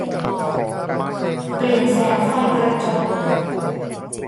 เปลี่ยนแสงไฟกระจก